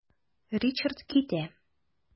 Ричард китә.